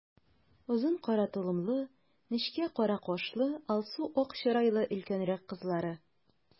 Озын кара толымлы, нечкә кара кашлы, алсу-ак чырайлы өлкәнрәк кызлары.